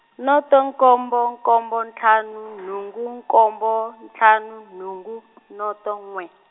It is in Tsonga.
noto nkombo nkombo ntlhanu nhungu nkombo, ntlhanu nhungu , noto n'we.